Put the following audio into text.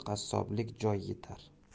qassoblik joy yitar